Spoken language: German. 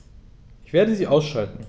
Ich werde sie ausschalten